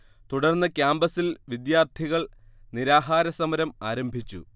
തുടർന്ന് കാമ്പസ്സിൽ വിദ്യാർത്ഥികൾ നിരാഹാരസമരം ആരംഭിച്ചു